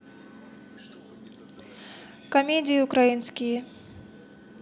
комедии украинские